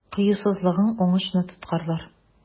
Кыюсызлыгың уңышны тоткарлар.